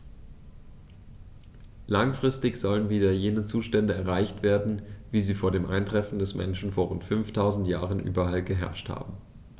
Langfristig sollen wieder jene Zustände erreicht werden, wie sie vor dem Eintreffen des Menschen vor rund 5000 Jahren überall geherrscht haben.